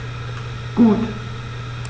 Gut.